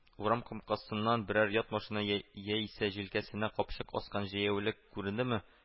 Урам капкасыннан берәр ят машина яисә җилкәсенә капчык аскан җәяүле күрендеме